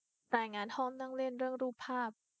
รายงานห้องนั่งเล่นเรื่องรูปภาพ